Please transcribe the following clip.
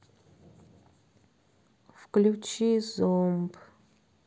включи зомб